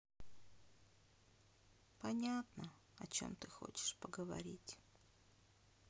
понятно о чем ты хочешь поговорить